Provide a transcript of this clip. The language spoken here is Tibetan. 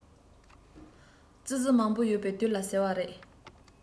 ཙི ཙི མང པོ ཡོད པའི དུས ལ ཟེར བ རེད